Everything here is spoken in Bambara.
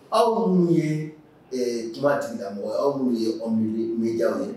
Aw minnu minnu ye kuma di ɲamɔgɔ ye aw minnu ye anwjan ye